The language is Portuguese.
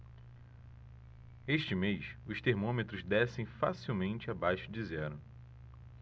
este mês os termômetros descem facilmente abaixo de zero